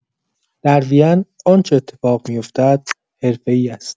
در وین آنچه اتفاق می‌افتد، حرفه‌ای است.